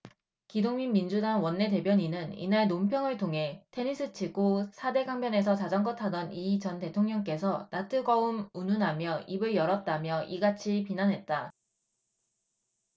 기동민 민주당 원내대변인은 이날 논평을 통해 테니스 치고 사 대 강변에서 자전거 타던 이 전 대통령께서 낯 뜨거움 운운하며 입을 열었다며 이같이 비난했다